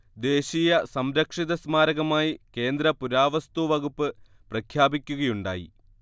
ദേശീയ സംരക്ഷിതസ്മാരകമായി കേന്ദ്ര പുരാവസ്തുവകുപ്പ് പ്രഖ്യാപിക്കുകയുണ്ടായി